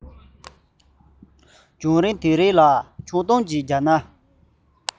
བྱུང རིམ དེ རིགས ཕྱོགས བསྡོམས བརྒྱབ ནས ཞུ ན